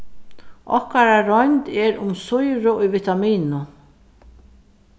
okkara roynd er um sýru í vitaminum